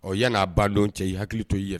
Ɔɔ yan na ban don cɛ i hakili to i